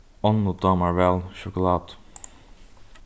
onnu dámar væl sjokulátu